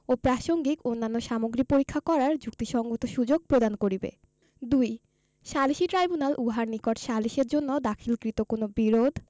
ও প্রাসংগিক অন্যান্য সামগ্রী পরীক্ষা করার যুক্তিসঙ্গত সুযোগ প্রদান করিবে ২ সালিসী ট্রাইব্যুনাল উহার নিকট সালিসের জন্য দাখিলকৃত কোন বিরোধ